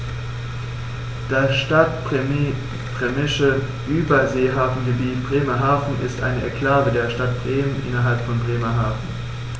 Das Stadtbremische Überseehafengebiet Bremerhaven ist eine Exklave der Stadt Bremen innerhalb von Bremerhaven.